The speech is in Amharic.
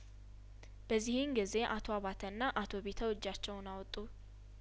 በዚህን ጊዜ አቶ አባተና አቶ ቢተው እጃቸውን አወጡ